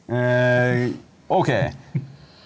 ok.